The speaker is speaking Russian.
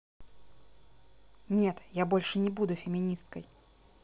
нет я больше не буду феминисткой